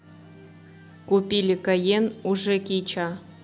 купили кайен у жекича